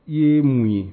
I ye mun ye